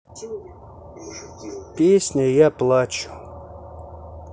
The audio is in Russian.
песня я плачу